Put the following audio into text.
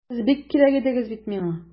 Сез бик кирәк идегез бит миңа!